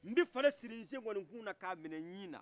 n bɛ fale siri n senkɔninkun ka a minɛ n ɲin na